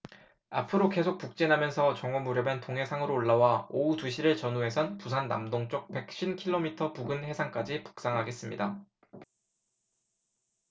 앞으로 계속 북진하면서 정오 무렵엔 동해상으로 올라와 오후 두 시를 전후해선 부산 남동쪽 백 쉰 킬로미터 부근 해상까지 북상하겠습니다